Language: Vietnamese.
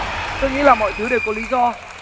nghĩ là mọi thứ đều có lý do